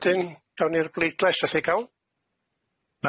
Wedyn gawn ni'r bleidlais allai ca'l?